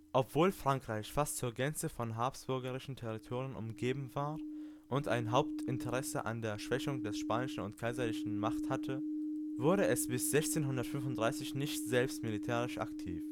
Obwohl Frankreich fast zur Gänze von habsburgischen Territorien umgeben war und ein Hauptinteresse an der Schwächung der spanischen und kaiserlichen Macht hatte, wurde es bis 1635 nicht selbst militärisch aktiv